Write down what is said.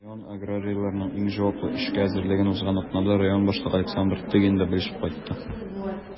Район аграрийларының иң җаваплы эшкә әзерлеген узган атнада район башлыгы Александр Тыгин да белешеп кайтты.